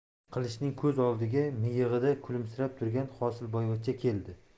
qilichning ko'z oldiga miyig'ida kulimsirab turgan hosilboyvachcha keldi